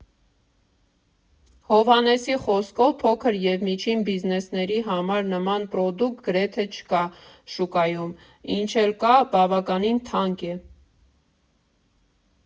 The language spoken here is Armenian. Հովհաննեսի խոսքով՝ փոքր ևմիջին բիզնեսների համար նման պրոդուկտ գրեթե չկա շուկայում, ինչ էլ կա՝ բավականին թանկ է։